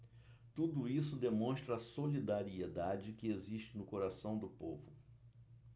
tudo isso demonstra a solidariedade que existe no coração do povo